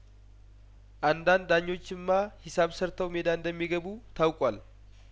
አንዳንድ ዳኞችማ ሂሳብ ሰርተው ሜዳ እንደሚገቡ ታውቋል